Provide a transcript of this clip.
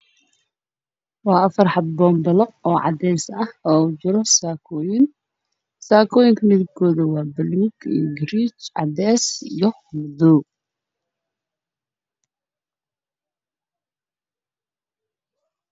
Waa afar xabo boombalo ah